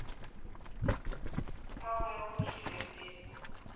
самые лучшие песни